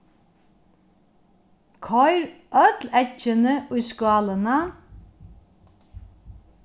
koyr øll eggini í skálina